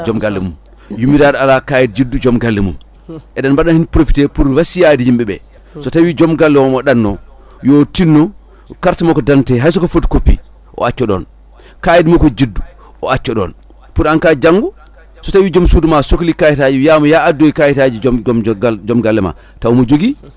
joom galle mum yummiraɗo ala kayit juddu joom galle mum eɗen mbaɗa hen profite e pour wasiyade yimɓeɓe so tawi joom galle o omo ɗanno yo tinno carte makko d' identité hay soko photocopie o acca ɗon kayit makko juddu o acca ɗon pour :fre en cas janggo so tawi joom suuduma sohli kayitaji wiyama ya addoy kayitaji joom joom galle ma taw mo jogui